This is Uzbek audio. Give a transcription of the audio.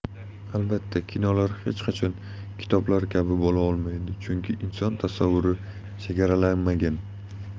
albatta kinolar hech qachon kitoblar kabi bo'la olmaydi chunki inson tasavvuri chegaralanmagan